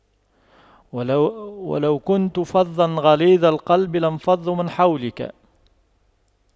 وَلَو كُنتَ فَظًّا غَلِيظَ القَلبِ لاَنفَضُّواْ مِن حَولِكَ